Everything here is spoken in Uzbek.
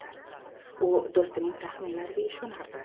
u do'stining taxminlariga ishonardi